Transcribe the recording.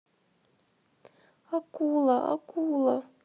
акула акула